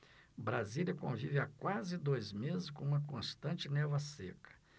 brasília convive há quase dois meses com uma constante névoa seca